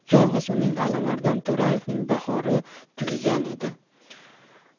yolg'iz uning alimardon to'rayevning bahori o'tgan edi